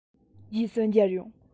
རྗེས སུ མཇལ ཡོང